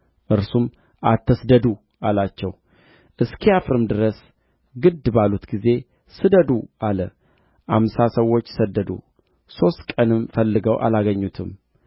እነርሱም እነሆ ከባሪያዎችህ ጋር አምሳ ኃያላን ሰዎች አሉ የእግዚአብሔር መንፈስ አንሥቶ ወደ አንድ ተራራ ወይም ወደ አንድ ሸለቆ ጥሎት እንደ ሆነ ሄደው ጌታህን ይፈልጉት ዘንድ እንለምንሃለን አሉት